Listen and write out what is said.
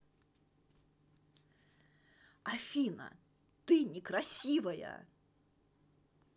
афина ты некрасивая